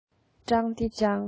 ཀྲང ཏེ ཅང